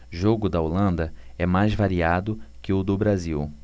jogo da holanda é mais variado que o do brasil